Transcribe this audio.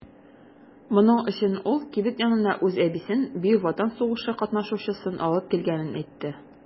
Моның өчен ул кибет янына үз әбисен - Бөек Ватан сугышы катнашучысын алып килгәнлеген әйтте.